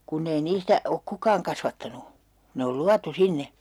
kun ei niistä ole kukaan kasvattanut ne on luotu sinne